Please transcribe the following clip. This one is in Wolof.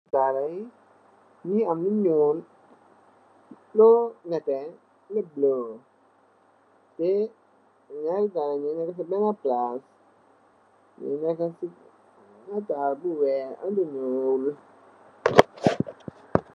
Dallah yi mungi am lu ñuul, lu neteh, lu bulo. Nyarri daluh yi nyungi neka bena palas, nyung ku def ci natal bu weex am lu ñuul.